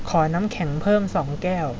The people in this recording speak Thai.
ขอน้ำแข็งเพิ่มสองแก้ว